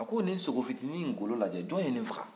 a ko nin sogofitinin golo lajɛ jɔn ye nin faga